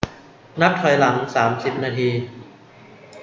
นับถอยหลังสามสิบนาที